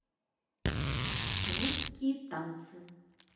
русские танцы